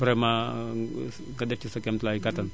vraiment nga def ci sa kéem tolluwaay kattan